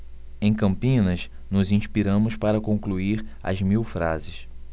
em campinas nos inspiramos para concluir as mil frases